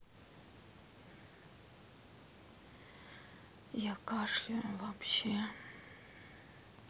я кашляю вообще